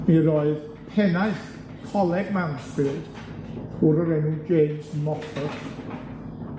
Mi roedd pennaeth Coleg Mountfield, gŵr o'r enw James Moffett,